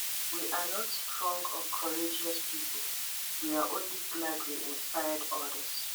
We are not strong or courageous people... we are only glad we inspired others.